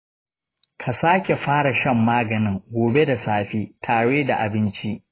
ka sake fara shan maganin gobe da safe tare da abinci.